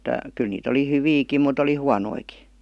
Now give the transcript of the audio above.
kyllä niitä oli hyviäkin mutta oli huonojakin